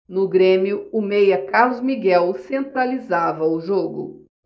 no grêmio o meia carlos miguel centralizava o jogo